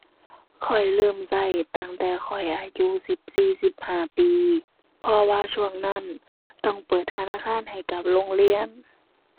ข้อยเริ่มใช้ตั้งแต่ข้อยอายุสิบสี่ สิบห้าปี เพราะว่าช่วงนั้นต้องเปิดธนาคารให้กับโรงเรียน